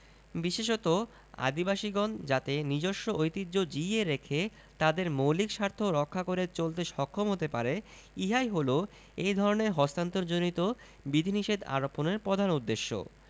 বিশেষত আদিবাসীগণ যাতে নিজস্ব ঐতিহ্য জিইয়ে রেখে তাদের মৌলিক স্বার্থ রক্ষা করে চলতে সক্ষম হতে পারে ইহাই হল এ ধরনের হস্তান্তরজনিত বিধিনিষেধ আরোপনের প্রধান উদ্দেশ্য